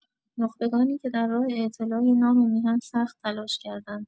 نخبگانی که در راه اعتلای نام میهن سخت تلاش کردند.